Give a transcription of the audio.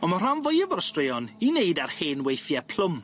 On' ma' rhan fwyaf o'r straeon i neud ar hen weithie plwm.